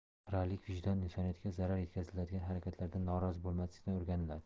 xiralik vijdon insoniyatga zarar etkazadigan harakatlardan norozi bo'lmaslikdan o'rganiladi